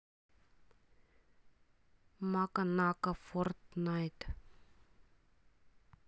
мака нака форт найт